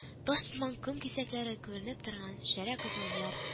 Таш сыман ком кисәкләре күренеп торган шәрә кызыл яр